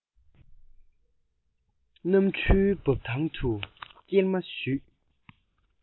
གནམ གྲུའི འབབ ཐང བར དུ སྐྱེལ མ ཞུས